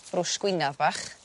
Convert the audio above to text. brwsh gwinadd bach